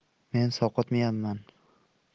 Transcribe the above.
men sovqotmiyamman